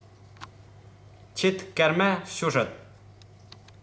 ཁྱེད སྐར མ ཤོར སྲིད